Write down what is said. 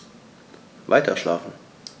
Weiterschlafen.